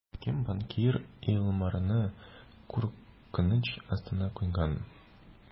Кем банкир Илмарны куркыныч астына куйган?